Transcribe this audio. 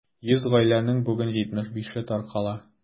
100 гаиләнең бүген 75-е таркала.